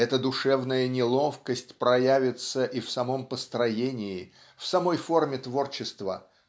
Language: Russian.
эта душевная неловкость проявится и в самом построении в самой форме творчества